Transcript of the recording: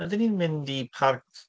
Ydyn ni'n mynd i parc?